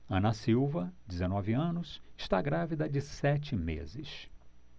ana silva dezenove anos está grávida de sete meses